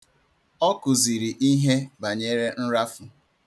Ọ kụziri ihe banyere nrafu.